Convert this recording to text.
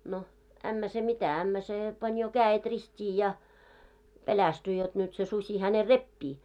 no ämmä se mitä ämmä se pani jo kädet ristiin ja pelästyi jotta nyt se susi hänen repii